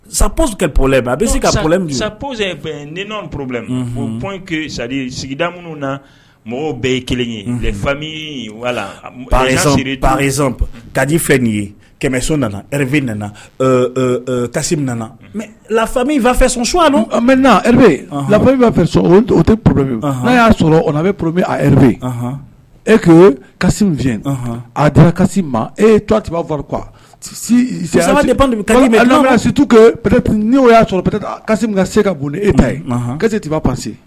Sap tɛ plɛ a bɛ se ka p sa p ni nɔn porobilɛ p sadi sigida minnu na mɔgɔw bɛɛ ye kelen ye fa walaz kadi nin ye kɛmɛso nana rfin nana kasi nana lafa fɛ su mɛ la'a fɛ tɛ poro'a y'a sɔrɔ bɛ porobi a e kasi fi a taara kasi ma e b' qusitu n' o y'a sɔrɔ se ka bon e ta ye kasi tɛ b'a pase